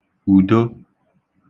ùdo